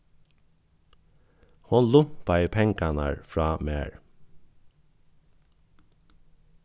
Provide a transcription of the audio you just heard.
hon lumpaði pengarnar frá mær